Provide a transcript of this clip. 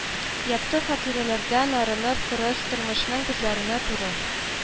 Якты хатирәләрдән арынып, кырыс тормышның күзләренә туры